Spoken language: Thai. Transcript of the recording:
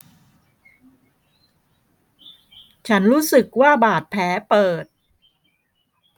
ฉันรู้สึกว่าบาดแผลเปิด